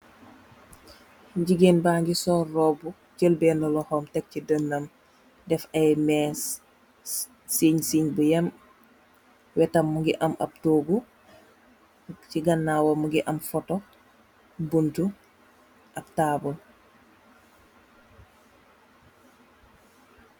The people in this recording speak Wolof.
Gigeen ba ngi sol róbbu jél benna loxom tèg ci denam, dèf ay més siiñ siiñ bu èm wettam mugii am ap tohgu ci ganaw wam mugii am foto, buntu ak tabul.